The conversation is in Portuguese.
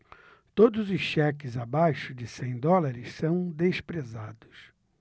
todos os cheques abaixo de cem dólares são desprezados